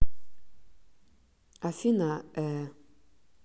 afina э